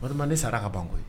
Batɔma ne sara ka banko ye.